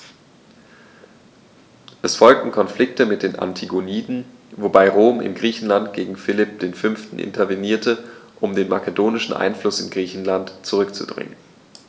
Es folgten Konflikte mit den Antigoniden, wobei Rom in Griechenland gegen Philipp V. intervenierte, um den makedonischen Einfluss in Griechenland zurückzudrängen.